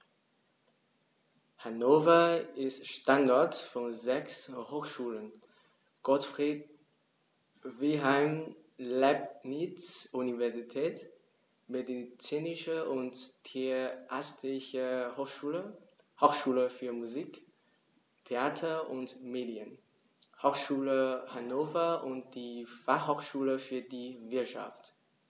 Hannover ist Standort von sechs Hochschulen: Gottfried Wilhelm Leibniz Universität, Medizinische und Tierärztliche Hochschule, Hochschule für Musik, Theater und Medien, Hochschule Hannover und die Fachhochschule für die Wirtschaft.